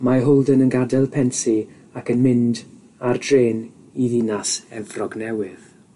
Mae Holden yn gadel Pencey ac yn mynd ar drên i ddinas Efrog newydd.